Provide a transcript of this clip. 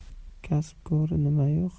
kasb kori nimayu